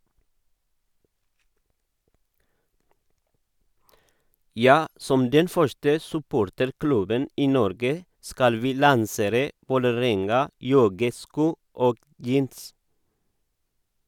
- Ja, som den første supporterklubben i Norge skal vi lansere Vålerenga-joggesko og - jeans.